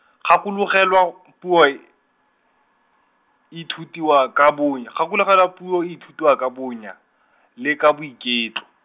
gakologelwa puo, ithutiwa ka bonya, gakologelwa puo e ithutiwa ka bonya , le ka boiketlo.